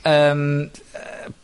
yyym yy